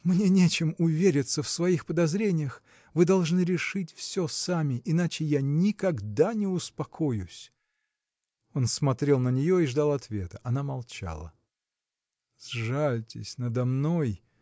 мне нечем увериться в своих подозрениях вы должны решить все сами иначе я никогда не успокоюсь. Он смотрел на нее и ждал ответа. Она молчала. – Сжальтесь надо мной!